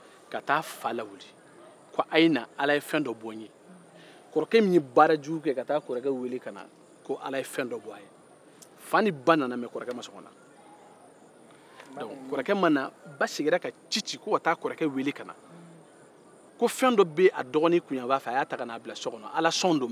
kɔrɔkɛ min ye baara jugu kɛ ka taa kɔrɔkɛ wele ka na ko ala ye fɛn dɔ kɛ a ye fa ni ba nana mɛ kɔrɔkɛ ma sɔn ka na ba seginna ka ci bila ko ka taa kɔrɔkɛ weele ka na ko fɛn dɔ be a dɔgɔnin kunyanfan fɛ a y'a ta ka n'a bila so kɔnɔ alasɔn don mɔgɔ t'a dɔn a ka n'a lajɛ kɔrɔkɛ ma sɔn